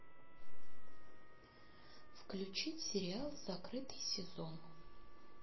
включить сериал закрытый сезон